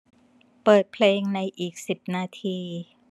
เปิดเพลงในอีกสิบนาที